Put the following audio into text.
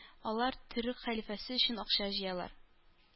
Алар төрек хәлифәсе өчен акча җыялар